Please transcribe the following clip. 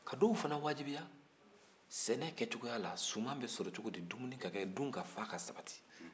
ka dɔw fana wajibiya sɛnɛkɛcogoya la suman bɛ sɔrɔ cogo di dumuni ka kɛ dunkafa ka sabati